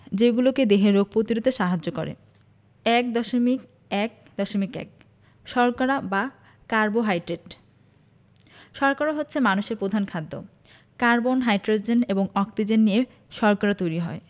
যেগুলো দেহের রোগ প্রতিরোধে সাহায্য করে ১.১.১ শর্করা বা কার্বোহাইড্রেট শর্করা হচ্ছে মানুষের প্রধান খাদ্য কার্বন হাইড্রোজেন এবং অক্সিজেন নিয়ে শর্করা তৈরি হয়